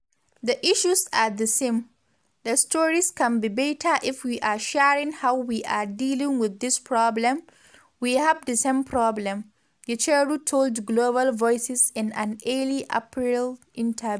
The issues are the same; the stories can be better if we are sharing how we are dealing with this problem; we have the same problem,” Gicheru told Global Voices in an early April interview.